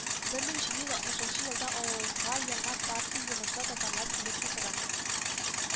Бер мең җиде йөз алтмышынчы елда авылга яңа партия йомышлы татарлар килеп утыра